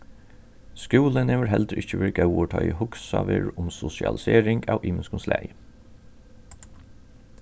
skúlin hevur heldur ikki verið góður tá ið hugsað verður um sosialisering av ymiskum slagi